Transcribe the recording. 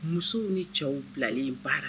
Musow ni cɛw bilalen in baara